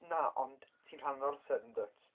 Na ond ti'n rhan o'r orsedd yndwyt?